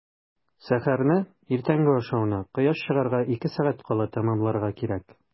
Сәхәрне – иртәнге ашауны кояш чыгарга ике сәгать кала тәмамларга кирәк.